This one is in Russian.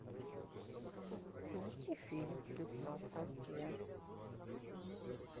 найди фильм лица в толпе